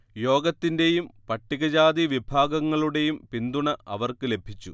യോഗത്തിന്റെയും പട്ടികജാതി വിഭാഗങ്ങളുടെയും പിന്തുണ അവർക്ക് ലഭിച്ചു